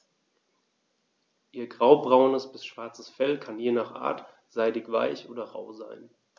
Ihr graubraunes bis schwarzes Fell kann je nach Art seidig-weich oder rau sein.